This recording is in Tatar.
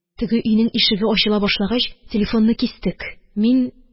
Теге өйнең ишеге ачыла башлагач, телефонны кистек. Мин